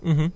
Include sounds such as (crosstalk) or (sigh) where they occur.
(hesitation) (hesitation)